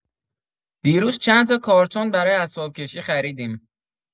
دیروز چندتا کارتن برای اسباب‌کشی خریدیم.